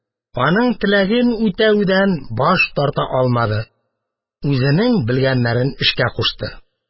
Аның теләген үтәүдән баш тарта алмады, үзенең белгәннәрен эшкә кушты.